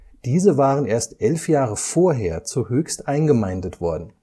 Diese waren erst elf Jahre vorher zu Höchst eingemeindet worden